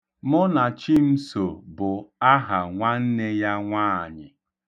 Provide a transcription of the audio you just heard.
Mụnachimso bụ aha nwanne ya nwaanyị.